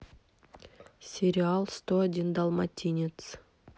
сериал сто один далматинец